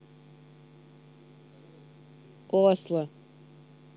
осло